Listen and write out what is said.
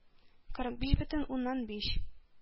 Кырык биш бөтен уннан биш